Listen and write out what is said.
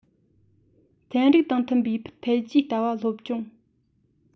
ཚན རིག དང མཐུན པའི འཕེལ རྒྱས ལྟ བ སློབ སྦྱོང